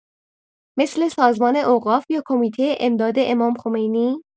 مثل سازمان اوقاف یا کمیته امداد امام‌خمینی؟